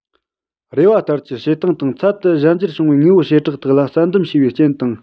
རེ བ ལྟར གྱི བྱེད སྟངས དང ཚད དུ གཞན འགྱུར བྱུང བའི དངོས པོའི བྱེ བྲག དག ལ བསལ འདེམས བྱས པའི རྐྱེན དང